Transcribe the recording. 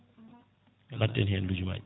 batten hen llijumaji